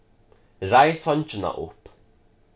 reið songina upp